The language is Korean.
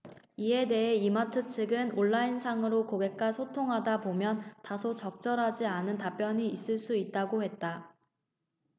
이에 대해 이마트 측은 온라인상으로 고객과 소통하다보면 다소 적절하지 않은 답변이 있을 수 있다고 했다